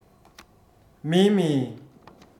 མཱེ མཱེ